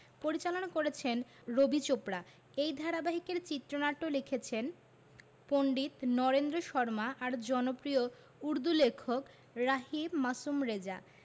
পরিচালনা করেছেন রবি চোপড়া এই ধারাবাহিকের চিত্রনাট্য লিখেছেন পণ্ডিত নরেন্দ্র শর্মা আর জনপ্রিয় উর্দু লেখক রাহি মাসুম রেজা